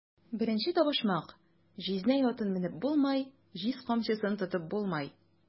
Беренче табышмак: "Җизнәй атын менеп булмай, җиз камчысын тотып булмай!"